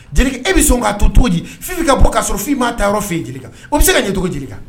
Jelikɛ e bɛ sɔn k'a to cogo ka bɔ'a sɔrɔ f'ma ta yɔrɔ o bɛ se ka ɲɛcogo jeli kan